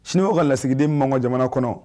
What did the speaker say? Siniɔgɔ ka lasigiden manga jamana kɔnɔ